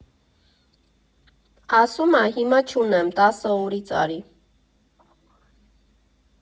Ասում ա՝ հիմա չունեմ, տասը օրից արի։